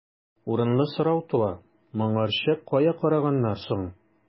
Урынлы сорау туа: моңарчы кая караганнар соң?